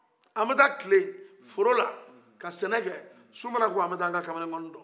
anw bɛ taa tilen fɔrɔla ka sɛnɛkɛ su manako anw bɛ taa an ka kamalenŋoni dɔn